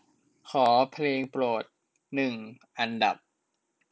ขอเพลงโปรดหนึ่งอันดับ